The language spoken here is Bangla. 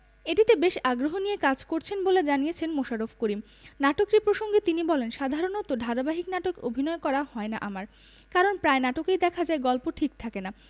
এটিতে বেশ আগ্রহ নিয়ে কাজ করছেন বলে জানিয়েছেন মোশাররফ করিম নাটকটি প্রসঙ্গে তিনি বলেন সাধারণত ধারাবাহিক নাটকে অভিনয় করা হয় না আমার কারণ প্রায় নাটকেই দেখা যায় গল্প ঠিক থাকে না